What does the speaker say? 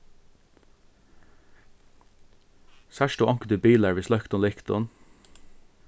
sært tú onkuntíð bilar við sløktum lyktum